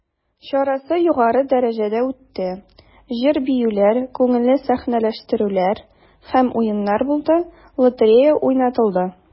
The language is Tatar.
Чарасы югары дәрәҗәдә үтте, җыр-биюләр, күңелле сәхнәләштерүләр һәм уеннар булды, лотерея уйнатылды.